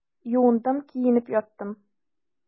Юындым, киенеп яттым.